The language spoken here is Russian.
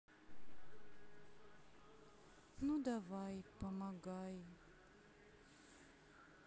ну давай помогай